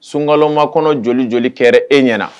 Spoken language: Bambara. Sunkalaloma kɔnɔ joli joli kɛra e ɲɛna na